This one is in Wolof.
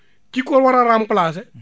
ki ko war a remplacer